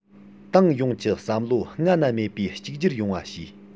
ཏང ཡོངས ཀྱི བསམ བློ སྔ ན མེད པའི གཅིག གྱུར ཡོང བ བྱས